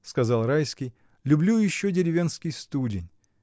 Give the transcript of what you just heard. — сказал Райский, — люблю еще деревенский студень.